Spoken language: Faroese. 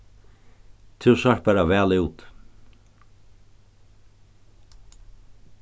tú sært bara væl út